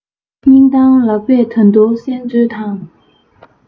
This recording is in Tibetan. སྙིང གཏམ ལགས པས ད དུང གསན མཛོད དང